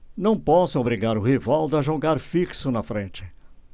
não posso obrigar o rivaldo a jogar fixo na frente